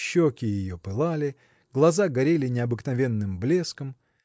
Щеки ее пылали, глаза горели необыкновенным блеском.